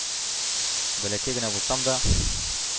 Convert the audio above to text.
Бәләкәй генә булсам да,